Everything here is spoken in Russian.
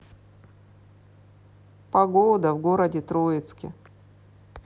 погода в городе троицке